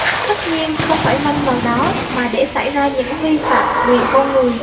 tất nhiên không phải vin vào đó mà để xảy ra những vi phạm quyền con người